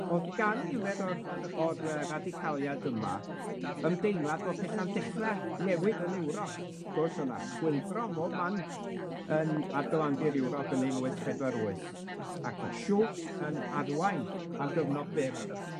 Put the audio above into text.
o'dd gan nifer o'r o'r yy radicaliad yma ymdeimlad bo' petha'n dechra newid yn Ewrop, wrth gwrs o' 'na chwyldro ym mob man yn ar gyfandir Ewrop yn un wyth pedwar wyth, a Kossuth yn arwain am gyfnod byr